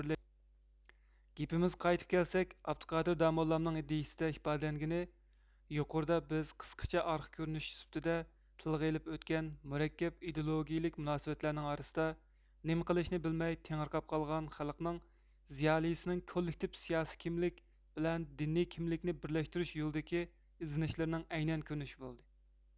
گېپىمىزگە قايتىپ كەلسەك ئابدۇقادىر داموللامنىڭ ئىدىيىسىدە ئىپادىلەنگىنى يۇقىرىدا بىز قىسقىچە ئارقا كۆرۈنۈش سۈپىتىدە تىلغا ئېلىپ ئۆتكەن مۇرەككەپ ئىدېئولوگىيىلىك مۇناسىۋەتلەرنىڭ ئارىسىدا نېمە قىلىشىنى بىلمەي تېڭىرقاپ قالغان خەلقنىڭ زىيالىيسىنىڭ كوللېكتىپ سىياسىي كىملىك بىلەن دىنىي كىملىكنى بىرلەشتۈرۈش يولىدىكى ئىزدىنىشلىرىنىڭ ئەينەن كۆرۈنۈشى بولدى